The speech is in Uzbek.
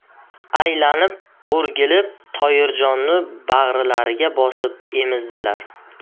aylanib o'rgilib toyirjonni bag'rilariga bosib emizdilar